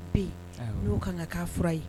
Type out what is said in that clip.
Bɛ yen n'o kan ka' fura ye